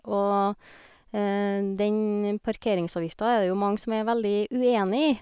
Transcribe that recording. Og den parkeringsavgifta er det jo mange som er veldig uenig i.